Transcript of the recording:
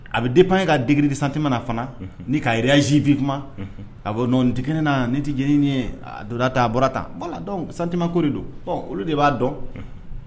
A bɛ depend e ka degré de sentiment na fana, unhun, ni ka réagit vivement ,unhun, ah bon, non ni tɛ kɛ ne na, ne tɛ jɛn ni ni ye, a donna tan, a bɔra tan voilà, donc sentiment ko de don, bon olu de b'a dɔn